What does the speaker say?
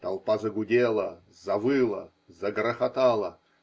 Толпа загудела, завыла, загрохотала.